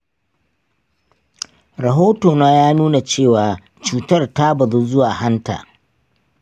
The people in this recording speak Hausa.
rahotona ya nuna cewa cutar ta bazu zuwa hanta.